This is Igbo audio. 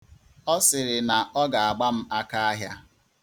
Ọ sịrị na ọ ga-agba m akaahịa.